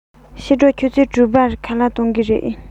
ཕྱི དྲོ ཆུ ཚོད དྲུག པར ཁ ལག གཏོང གི རེད